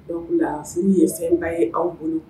Donc o la sini ye Seliba ye anw bolo